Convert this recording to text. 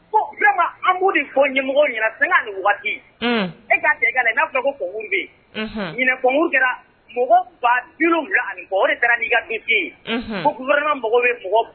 B e n'a kokun bɛkun kɛra mɔgɔ ba duuru ani' ka ko mɔgɔ bɛ